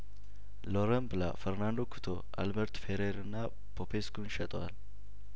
ሎሮን ብላ ፈርናንዶ ቶ አልበርት ፌሬርንና ፖፔስኩን ሸጠዋል